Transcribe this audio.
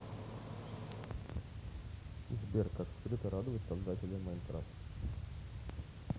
сбер как скрыто радовать создателя minecraft